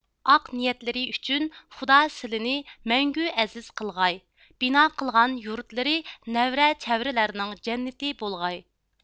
ئاق نىيەتلىرى ئۈچۈن خۇدا سىلىنى مەڭگۈ ئەزىز قىلغاي بىنا قىلغان يۇرتلىرى نەۋرە چەۋرىلەرنىڭ جەننىتى بولغاي